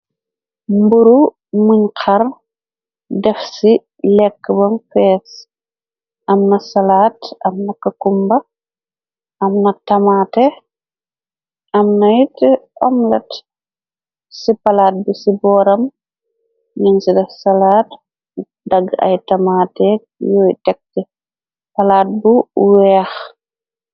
Mburu muñ xar def ci lekk ba fees amna salaat amnaka kumba amna tamate amnait amlat ci palaat bi ci booram nin ci def salaat dagg ay tamaate yuoy tekte palaat bu weex.